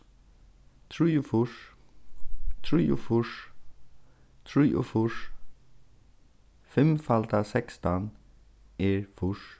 trýogfýrs trýogfýrs trýogfýrs fimm falda sekstan er fýrs